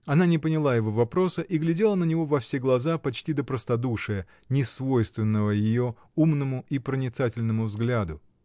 Она не поняла его вопроса и глядела на него во все глаза, почти до простодушия, не свойственного ее умному и проницательному взгляду.